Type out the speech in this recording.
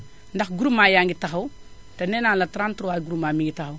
ndax groupement yaa ngi taxaw te nee naa la 33 groupement mi ngi taxaw